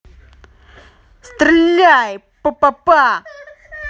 стреляй папапа